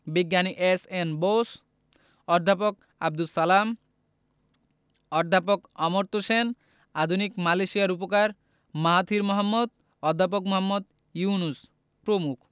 বিজ্ঞানী এস.এন বোস অধ্যাপক আবদুস সালাম অধ্যাপক অমর্ত্য সেন আধুনিক মালয়েশিয়ার রূপকার মাহাথির মোহাম্মদ অধ্যাপক মুহম্মদ ইউনুস প্রমুখ